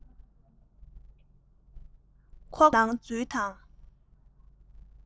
ཁོག པའི ནང འཛུལ དང